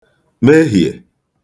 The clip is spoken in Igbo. mehiè